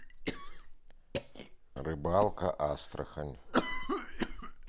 рыбалка астрахань